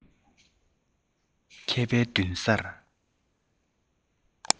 མཁས པའི མདུན སར